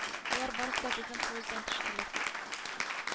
Кол Шәриф мәчетендә бәйрәм намазы укылды.